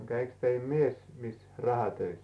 no kävikö teidän mies missä rahatöissä